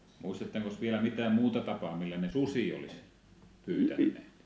muistattekos vielä mitään muuta tapaa millä ne susia olisi pyytäneet